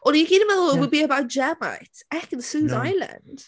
O'n ni gyd yn meddwl it would be about Gemma. It's Ekin-Su's... no. ...island.